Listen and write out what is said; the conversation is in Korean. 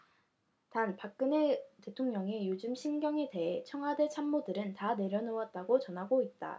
단박근혜 대통령의 요즘 심경에 대해 청와대 참모들은 다 내려놓았다고 전하고 있다